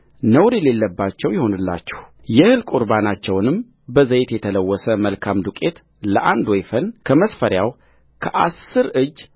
ነውር የሌለባቸው ይሁኑላችሁየእህል ቍርባናቸውንም በዘይት የተለወሰ መልካም ዱቄት ለአንድ ወይፈን ከመስፈሪያው ከአሥር እጅ